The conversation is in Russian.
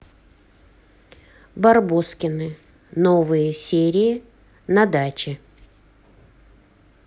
барбоскины новые серии на даче